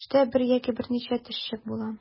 Төштә бер яки берничә төшчек була.